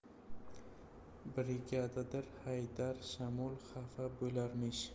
brigadir haydar shamol xafa bo'larmish